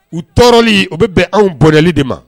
U tɔɔrɔli u bɛ bɛn anw bɔli de ma